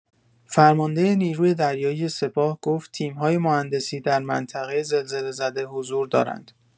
فرمانده نیروی دریایی سپاه گفت تیم‌های مهندسی در منطقه زلزله‌زده حضور دارند.